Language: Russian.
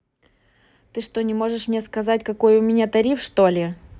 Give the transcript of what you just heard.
ты что не можешь мне сказать какой у меня тариф что ли